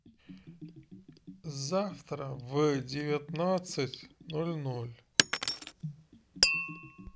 завтра в девятнадцать ноль ноль